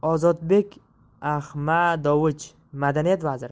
ahmadovich madaniyat vaziri